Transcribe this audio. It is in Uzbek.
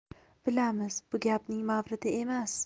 bilamiz bu gapning mavridi emas